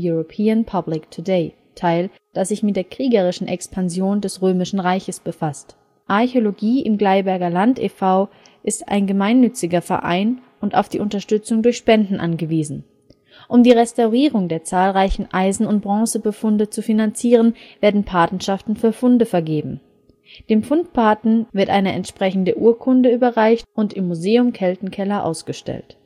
European public today " teil, das sich mit der kriegerischen Expansion des Römischen Reiches befasst. Archäologie im Gleiberger Land e.V. ist ein gemeinnütziger Verein und auf die Unterstützung durch Spenden angewiesen. Um die Restaurierung der zahlreichen Eisen - und Bronzefunde zu finanzieren, werden Patenschaften für Funde vergeben. Dem Fundpaten wird eine entsprechende Urkunde überreicht und im Museum KeltenKeller ausgestellt